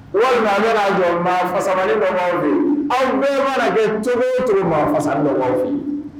Walima an ŋana jɔ maa fasamani dɔ b'aw fe ye aw bɛɛ mana kɛ cogo o cogo maa fasani dɔ b'aw fe ye